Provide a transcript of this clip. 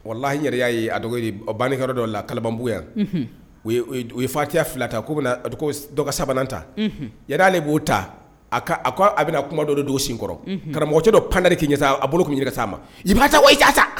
Walalahahi yɛrɛ' ye bankɛ dɔ la kalabuguyan u u fatiya fila ta k'u bɛ dɔgɔ sabanan ta'ale de b'o ta a a ko a bɛna kuma dɔ don sinkɔrɔ karamɔgɔmocɛ dɔ panɛ de kɛ sa a bolo ɲini ka taama ma i'ta wata